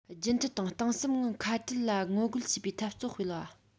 རྒྱུན མཐུད དང གཏིང ཟབ ངང ཁ ཕྲལ ལ ངོ རྒོལ བྱེད པའི འཐབ རྩོད སྤེལ བ